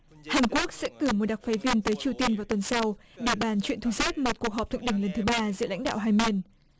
hàn quốc sẽ cử đặc phái viên tới triều tiên vào tuần sau đã bàn chuyện thu xếp một cuộc họp thượng đỉnh lần thứ ba giữa lãnh đạo hai bên